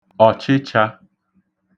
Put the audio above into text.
ọ̀chịchā